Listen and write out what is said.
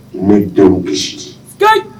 U mɛ jɔn kisi sikeyi